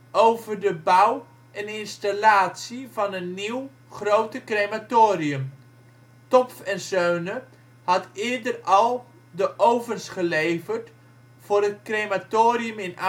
over de bouw en installatie van een nieuw, groter crematorium. Topf & Söhne had eerder al de ovens geleverd voor het crematorium in